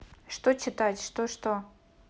что читать что что